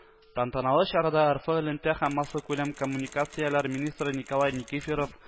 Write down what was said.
Тантаналы чарада РФ элемтә һәм массакүләм коммуникацияләр министры Николай Никифиров